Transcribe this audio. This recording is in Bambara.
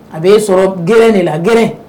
A b'e sɔrɔ gɛrɛn de la, gɛrɛn.